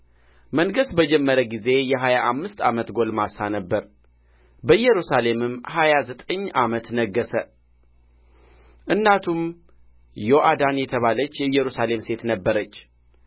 መንገሥ በጀመረ ጊዜ የሀያ አምስት ዓመት ጕልማሳ ነበረ በኢየሩሳሌምም ሀያ ዘጠኝ ዓመት ነገሠ እናቱም ዮዓዳን የተባለች የኢየሩሳሌም ሴት ነበረች